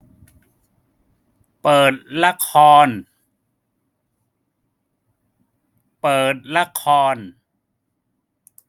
เปิดละคร